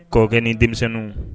Kɔkɛ nin denmisɛnniw